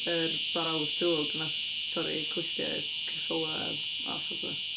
Yr brawd drwg wnaeth torri clustiau ceffylau off a petha.